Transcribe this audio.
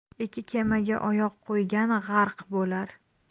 ikki kemaga oyoq qo'ygan g'arq bo'lar